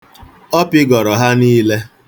Ọ pịgọrọ ha niile.